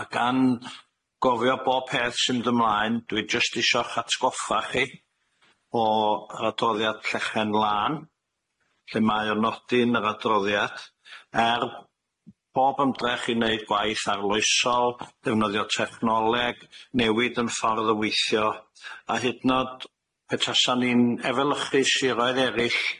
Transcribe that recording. A gan gofio bob peth sy'n mynd ymlaen dwi jyst isio'ch atgoffa chi o yr adroddiad Llechen Lân, lle mae o'n nodi yn yr adroddiad er, bob ymdrech i neud gwaith arloesol defnyddio technoleg newid yn ffordd o weithio a hyd nod petasa ni'n efelychu siroedd eryll,